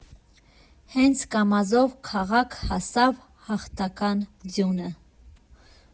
Հենց Կամազով քաղաք հասավ հաղթական ձյունը։